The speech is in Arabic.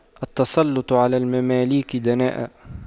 التسلُّطُ على المماليك دناءة